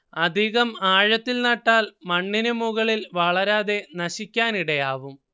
അധികം ആഴത്തിൽ നട്ടാൽ മണ്ണിനു മുകളിൽ വളരാതെ നശിക്കാനിടയാവും